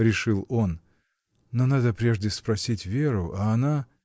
— решил он, — но надо прежде спросить Веру, а она.